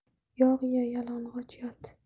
yog' ye yalang'och yot